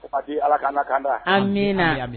Api ala ka kanda a ha n ɲamina